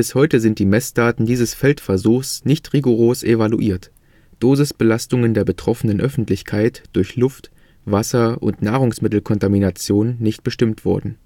heute sind die Messdaten dieses Feldversuchs nicht rigoros evaluiert, Dosisbelastungen der betroffenen Öffentlichkeit durch Luft -, Wasser - und Nahrungsmittelkontamination nicht bestimmt worden